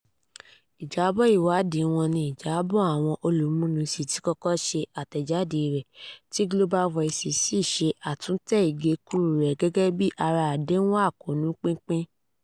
Ìjábọ̀ ìwádìí wọn ni Ìjábọ̀ Àwọn Olúmúnisìn ti kọ́kọ́ ṣe àtẹ̀jáde rẹ̀, tí Global Voices sì ṣe àtúntẹ̀ ìgékúrú rẹ̀ gẹ́gẹ́ bíi ara àdéhùn àkóónú pínpín.